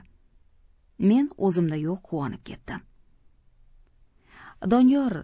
men o'zimda yo'q quvonib ketdim